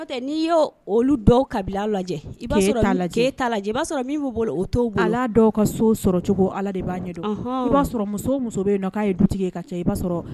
Lajɛ'a sɔrɔ' cogo ala de b'a'a sɔrɔ muso musoa ye dutigi